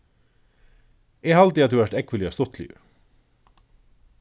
eg haldi at tú er ógvuliga stuttligur